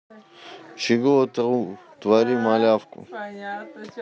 чего тру твори малявка